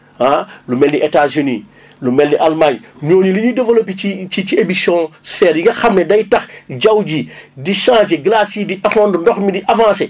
ah lu mel ni Etat Unis lu mel ni Allemagne ñooñu li ñu développé ci ci ci émission serre yi nga xam ne day tax jaww ji di changé glace yi di éffondre ndox mi di avancé